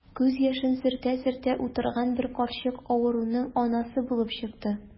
Күз яшен сөртә-сөртә утырган бер карчык авыруның анасы булып чыкты.